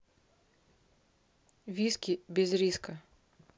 виски без риска